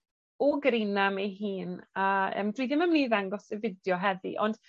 o Greenham ei hun a yym dwi ddim yn myn' i ddangos y fideo heddi ond